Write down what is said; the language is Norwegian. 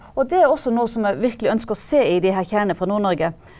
det er også noe som jeg virkelig ønsker å se i de her kjernene fra Nord-Norge.